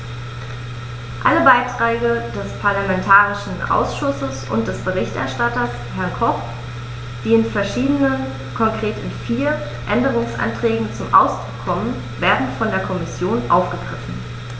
Alle Beiträge des parlamentarischen Ausschusses und des Berichterstatters, Herrn Koch, die in verschiedenen, konkret in vier, Änderungsanträgen zum Ausdruck kommen, werden von der Kommission aufgegriffen.